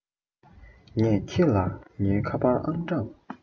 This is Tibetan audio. ངས ཁྱེད ལ ངའི ཁ པར ཨང གྲངས